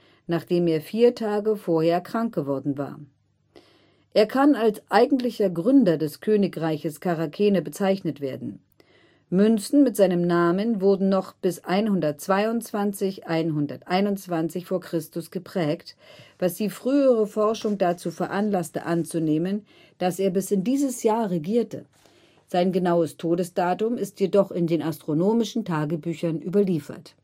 nachdem er vier Tage vorher krank geworden war. Er kann als eigentlicher Gründer des Königreiches Charakene bezeichnet werden. Münzen mit seinem Namen wurden noch bis 122/1 v. Chr. geprägt, was die frühere Forschung dazu veranlasste anzunehmen, dass er bis in dieses Jahr regierte. Sein genaues Todesdatum ist jedoch in den Astronomischen Tagebüchern überliefert